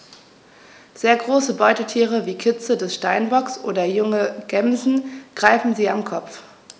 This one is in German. Sehr große Beutetiere wie Kitze des Steinbocks oder junge Gämsen greifen sie am Kopf.